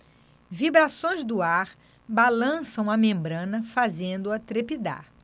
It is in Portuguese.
vibrações do ar balançam a membrana fazendo-a trepidar